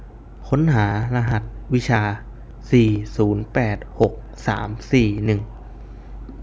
ค้นหารหัสวิชาสี่ศูนย์แปดหกสามสี่หนึ่ง